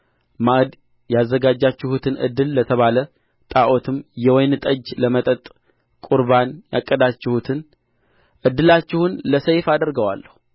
ማዕድ ያዘጋጃችሁትን እድል ለተባለ ጣዖትም የወይን ጠጅ ለመጠጥ ቍርባን የቀዳችሁትን እድላችሁን ለሰይፍ አደርገዋለሁ